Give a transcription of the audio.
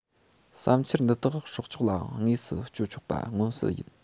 བསམ འཆར འདི དག སྲོག ཆགས ལའང དངོས སུ སྤྱོད ཆོག པ མངོན གསལ ཡིན